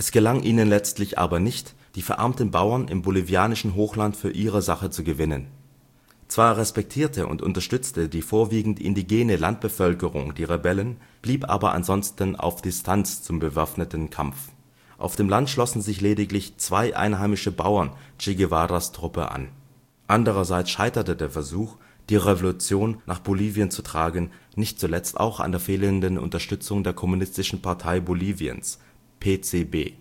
gelang ihnen letztlich aber nicht, die verarmten Bauern im bolivianischen Hochland für ihre Sache zu gewinnen. Zwar respektierte und unterstützte die vorwiegend indigene Landbevölkerung die Rebellen, blieb aber ansonsten auf Distanz zum bewaffneten Kampf. Auf dem Land schlossen sich lediglich zwei einheimische Bauern Che Guevaras Truppe an. Andererseits scheiterte der Versuch, die Revolution nach Bolivien zu tragen nicht zuletzt auch an der fehlenden Unterstützung durch die Kommunistische Partei Boliviens (PCB